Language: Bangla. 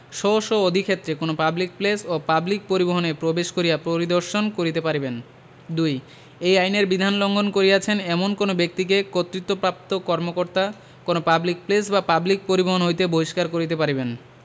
স্ব স্ব অধিক্ষেত্রে কোন পাবলিক প্লেস ও পাবলিক পরিবহণে প্রবেশ করিয়া পরিদর্শন করিতে পারিবেন ২ এই আইনের বিধান লংঘন করিয়অছেন এমন কোন ব্যক্তিকে কর্তৃত্বপ্রাপ্ত কর্মকর্তঅ কোন পাবলিক প্লেস বা পাবলিক পরিবহণ হইতে বহিষ্কার করিতে পারিবেন